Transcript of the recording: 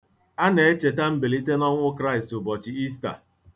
A na-echeta mbilite n'ọnwụ Kraịst ụbọchị Ista.